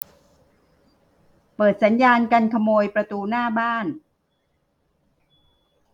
เปิดสัญญาณกันขโมยประตูหน้าบ้าน